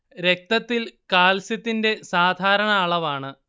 രക്തത്തിൽ കാൽസ്യത്തിന്റെ സാധാരണ അളവ് ആണ്